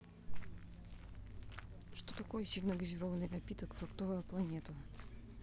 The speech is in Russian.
что такое сильногазированый напиток фруктовая планета